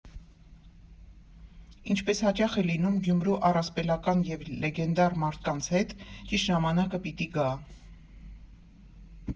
Ինչպես հաճախ է լինում Գյումրու առասպելական և լեգենդար մարդկանց հետ, ճիշտ ժամանակը պիտի գա։